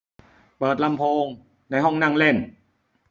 เปิดลำโพงในห้องนั่งเล่น